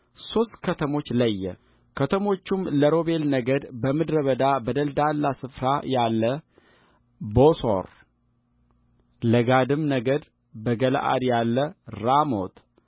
ሦስት ከተሞች ለየከተሞቹም ለሮቤል ነገድ በምድረ በዳ በደልዳላ ስፍራ ያለ ቦሶር ለጋድም ነገድ በገለዓድ ያለ ራሞት